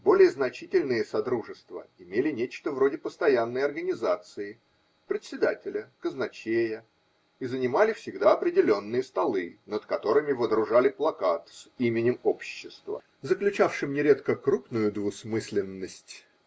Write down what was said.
более значительные содружества имели нечто вроде постоянной организации, председателя, казначея и занимали всегда определенные столы, над которыми водружали плакат с именем "общества", заключавшим нередко крупную двусмысленность.